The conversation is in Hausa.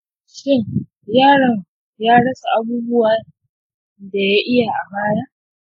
shin yaron ya rasa abubuwan da iya a baya?